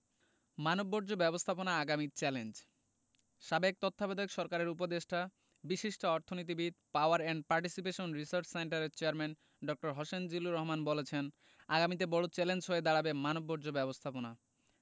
মানববর্জ্য ব্যবস্থাপনা আগামীর চ্যালেঞ্জ সাবেক তত্ত্বাবধায়ক সরকারের উপদেষ্টা বিশিষ্ট অর্থনীতিবিদ পাওয়ার অ্যান্ড পার্টিসিপেশন রিসার্চ সেন্টারের চেয়ারম্যান ড হোসেন জিল্লুর রহমান বলেছেন আগামীতে বড় চ্যালেঞ্জ হয়ে দাঁড়াবে মানববর্জ্য ব্যবস্থাপনা